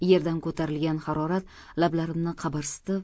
yerdan ko'tarilgan harorat lablarimni qabarsitib